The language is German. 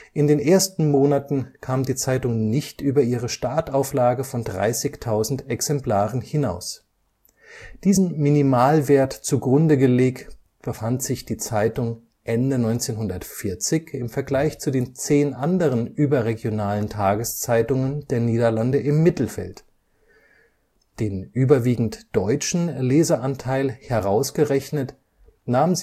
In den ersten Monaten kam die Zeitung nicht über ihre Startauflage von 30.000 Exemplaren hinaus. Diesen Minimalwert zugrunde gelegt befand sich die Zeitung Ende 1940 im Vergleich zu den zehn anderen überregionalen Tageszeitungen der Niederlande im Mittelfeld, den überwiegend deutschen Leseranteil herausgerechnet nahm